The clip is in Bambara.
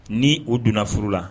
Ni u donna furu la